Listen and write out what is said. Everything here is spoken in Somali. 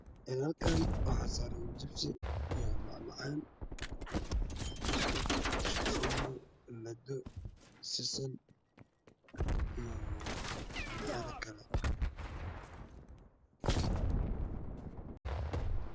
Halkaan waase barbaar ka dib waxaa yaalo buskud farabadan oo kujiro sakaal iyo ku jira baco guduud ah iyo jaalo